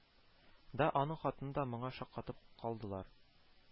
Да, аның хатыны да моңа шаккатып калдылар